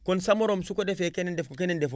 kon sa morom su ko defee keneen def ko keneen def ko